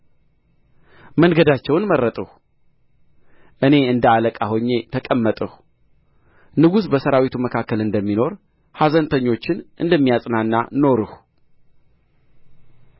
መንገዳቸውን መረጥሁ እንደ አለቃ ሆኜ ተቀመጥሁ ንጉሥ በሠራዊቱ መካከል እንደሚኖር ኅዘነተኞችን እንደሚያጽናና ኖርሁ